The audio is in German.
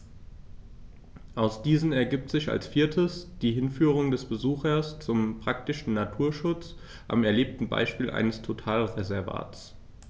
Aus diesen ergibt sich als viertes die Hinführung des Besuchers zum praktischen Naturschutz am erlebten Beispiel eines Totalreservats.